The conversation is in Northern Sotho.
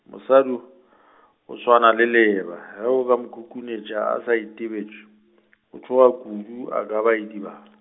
mosadi , o swana le leeba ge o ka mo khukhunetša a sa itebetš-, a tšhoga kudu a ka ba a idibala.